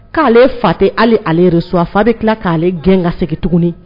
K'ale fa tɛ ale aleresu afa bɛ tila k'ale gɛn ka segin tugun